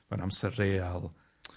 mewn amser real